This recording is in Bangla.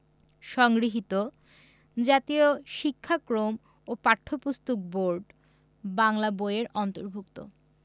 সংগৃহীত জাতীয় শিক্ষাক্রম ও পাঠ্যপুস্তক বোর্ড বাংলা বই এর অন্তর্ভুক্ত